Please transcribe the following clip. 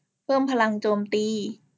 เพิ่มพลังโจมตี